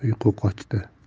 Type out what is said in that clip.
bilan uyqu qochdi